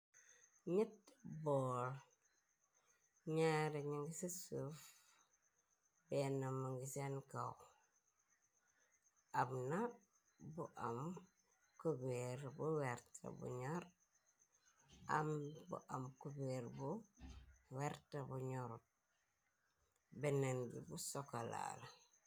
Nyetti bool ñaare na ngi së suf benn ma ngi seen kaw amna bu am kubeer bu werta bu ñor am bu am cuber bu werta bu ñoru bennen bi bu sokolaala.